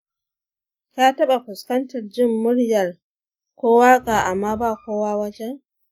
ka taɓa fuskantar jin murya ko waka amma ba kowa wajen?